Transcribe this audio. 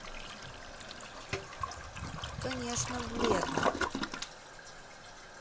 конечно бледно